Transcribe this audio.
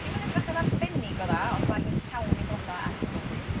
dim yn edrych yn arbennig o dda ond ma' hi llawn 'i bloda ar hyn o bryd.